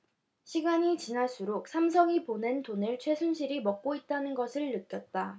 시간이 지날수록 삼성이 보낸 돈을 최순실이 먹고 있다는 것을 느꼈다